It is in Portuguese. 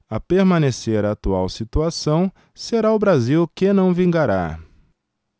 a permanecer a atual situação será o brasil que não vingará